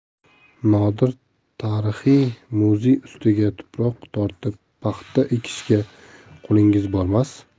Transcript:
nodir tarixiy muzey ustiga tuproq tortib paxta ekishga qo'lingiz bormas